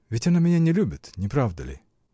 Ведь она меня не любит, не правда ли?